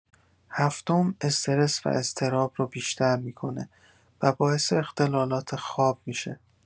هفتم، استرس و اضطراب رو بیشتر می‌کنه و باعث اختلالات خواب می‌شه.